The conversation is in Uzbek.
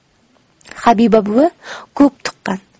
habiba buvi ko'p tuqqan